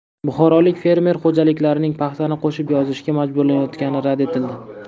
buxorolik fermer xo'jaliklarining paxtani qo'shib yozishga majburlanayotgani rad etildi